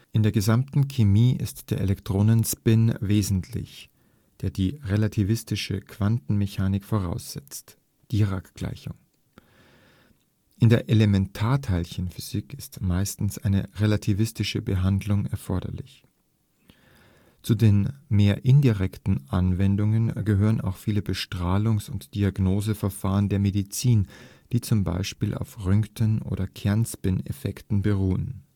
In der gesamten Chemie ist der Elektronenspin wesentlich, der die relativistische Quantenmechanik voraussetzt (Dirac-Gleichung). In der Elementarteilchenphysik ist meistens eine relativistische Behandlung erforderlich. Zu den mehr indirekten Anwendungen gehören auch viele Bestrahlungs - und Diagnoseverfahren der Medizin, die z. B. auf Röntgen - oder Kernspin-Effekten beruhen